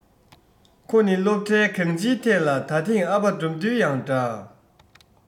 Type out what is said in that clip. ཁོ ནི སློབ གྲྭའི གང སྤྱིའི ཐད ལ ད ཐེངས ཨ ཕ དགྲ འདུལ ཡང འདྲ